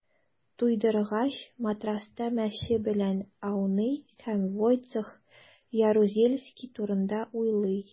Туйдыргач, матраста мәче белән ауный һәм Войцех Ярузельский турында уйлый.